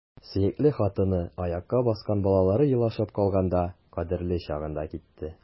Сөекле хатыны, аякка баскан балалары елашып калганда — кадерле чагында китте!